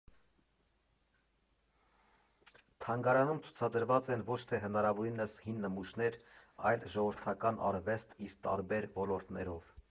Թանգարանում ցուցադրված են ոչ թե հնարավորինս հին նմուշներ, այլ ժողովրդական արվեստ՝ իր տարբեր ոլորտներով.